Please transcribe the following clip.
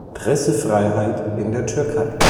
Pressefreiheit in der Türkei